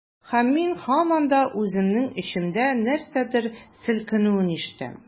Һәм мин һаман да үземнең эчемдә нәрсәдер селкенүен ишетәм.